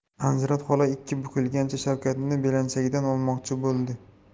anzirat xola ikki bukilgancha shavkatni belanchakdan olmoqchi bo'ldi